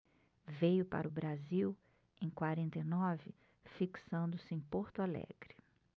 veio para o brasil em quarenta e nove fixando-se em porto alegre